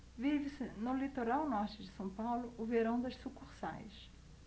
vive-se no litoral norte de são paulo o verão das sucursais